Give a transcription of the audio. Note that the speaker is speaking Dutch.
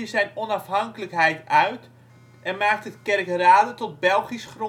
zijn onafhankelijkheid uit en maakt het Kerkrade tot Belgisch